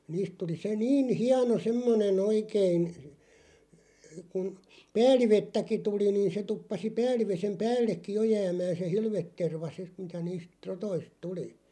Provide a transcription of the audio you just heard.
niistä tuli se niin hieno semmoinen oikein kun päällivettäkin tuli niin se tuppasi päälliveden päällekin jo jäämään se hilveterva sitten mitä niistä rotoista tuli